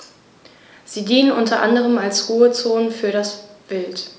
Sie dienen unter anderem als Ruhezonen für das Wild.